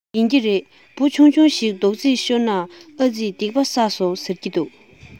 ཡིན གྱི རེད འབུ ཆུང ཆུང ཅིག རྡོག རྫིས ཤོར ནའི ཨ རྩི སྡིག པ བསགས སོང ཟེར གྱི འདུག